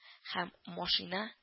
Һәм машина